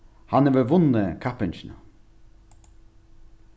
hann hevur vunnið kappingina